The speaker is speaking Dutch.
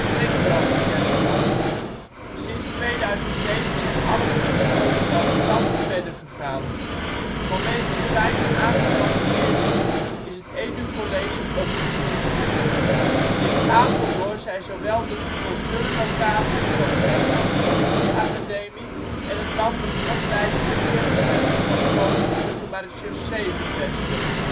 Sprengeloo bekend stonden. Sinds 2007 zijn alle drie de scholen zelfstandig verder gegaan. Vanwege te weinig aangemelde leerlingen is het Edu College opgedoekt. In Apeldoorn zijn zowel de Concernlocatie van de Nederlandse Politieacademie als het Landelijke Opleidings - en Kenniscentrum van de Koninklijke Marechaussee (LOKKMar) gevestigd